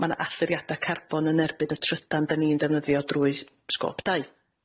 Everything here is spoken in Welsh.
ma' 'na allyriada carbon yn erbyn y trydan 'dan ni'n ddefnyddio drwy sgôp dau.